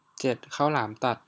เจ็ดข้าวหลามตัด